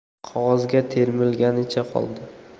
qog'ozga termilganicha qoldi